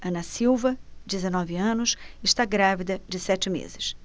ana silva dezenove anos está grávida de sete meses